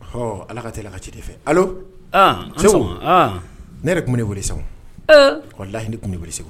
Ɔhɔ Ala ka teli a ka ci de fɛ alo ne yɛrɛ tun bɛna i wele saho walahi ne tun bɛ n' wele